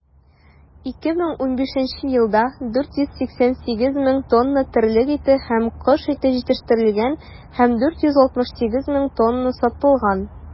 2015 елда 488 мең тонна терлек ите һәм кош ите җитештерелгән һәм 468 мең тонна сатылган.